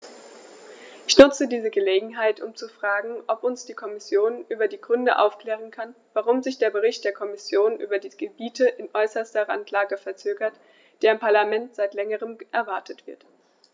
Ich nutze diese Gelegenheit, um zu fragen, ob uns die Kommission über die Gründe aufklären kann, warum sich der Bericht der Kommission über die Gebiete in äußerster Randlage verzögert, der im Parlament seit längerem erwartet wird.